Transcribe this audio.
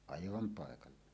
aivan paikalla